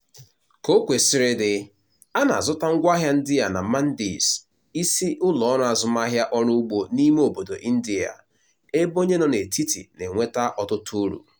Ka o kwesịrị ịdị, a na-azụta ngwaahịa ndị a na "mandis" (isi ụlọọrụ azụmahịa ọrụ ugbo n'ime obodo India), ebe onye nọ n'etiti na-enweta ọtụtụ uru.